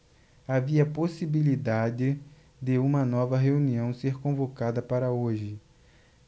havia possibilidade de uma nova reunião ser convocada para hoje